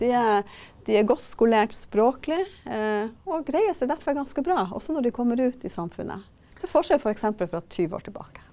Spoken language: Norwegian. de er de er godt skolert språklig og greier seg derfor ganske bra, også når de kommer ut i samfunnet, til forskjell f.eks. fra 20 år tilbake.